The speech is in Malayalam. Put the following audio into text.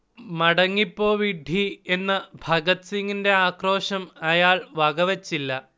'മടങ്ങിപ്പോ വിഡ്ഢീ' എന്ന ഭഗത്സിങ്ങിന്റെ ആക്രോശം അയാൾ വകവച്ചില്ല